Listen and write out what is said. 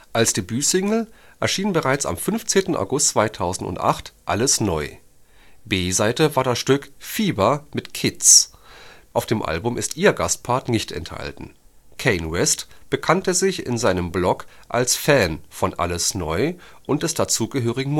Als Debütsingle erschien bereits am 15. August 2008 Alles neu. B-Seite war das Stück Fieber mit K.I.Z.; auf dem Album ist ihr Gastpart nicht enthalten. Kanye West bekannte sich in seinem Blog als Fan von Alles neu und des dazugehörigen